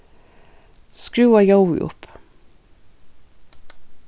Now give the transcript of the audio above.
skrúva ljóðið upp